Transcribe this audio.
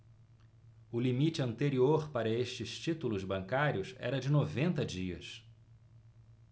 o limite anterior para estes títulos bancários era de noventa dias